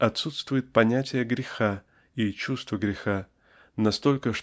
отсутствует понятие греха и чувство греха настолько